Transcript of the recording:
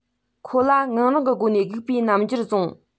ཁོ ལ ངང རིང གི སྒོ ནས སྒུག པའི རྣམ འགྱུར བཟུང